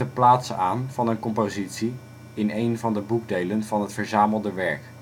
plaats aan van een compositie in een van de boekdelen van het verzamelde werk